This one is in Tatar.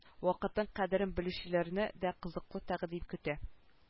Вакытның кадерен белүчеләрне дә кызыклы тәкъдим көтә